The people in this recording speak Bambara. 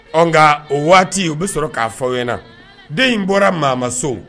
Nkaga o waati u bɛ sɔrɔ k'a fɔyana den in bɔra maa so